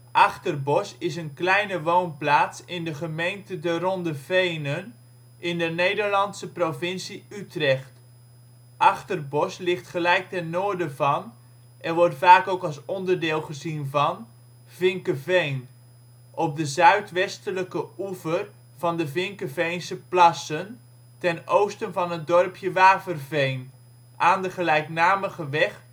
Achterbos is een kleine woonplaats in de gemeente De Ronde Venen, in de Nederlandse provincie Utrecht. Achterbos ligt gelijk ten noorden van, en wordt vaak ook als onderdeel gezien van, Vinkeveen, op de zuidwestelijke over van de Vinkeveense Plassen, ten oosten van het dorpje Waverveen, aan de gelijknamige weg